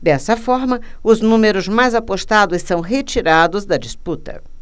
dessa forma os números mais apostados são retirados da disputa